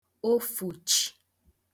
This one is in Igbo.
ofùchi